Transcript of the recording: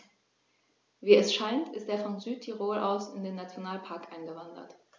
Wie es scheint, ist er von Südtirol aus in den Nationalpark eingewandert.